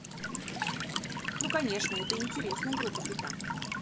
ну конечно это и интересная группа пита